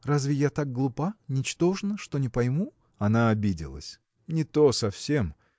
разве я так глупа, ничтожна, что не пойму?. Она обиделась. – Не то совсем